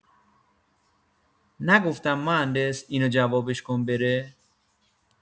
نگفتم مهندس اینو جوابش کن بره؟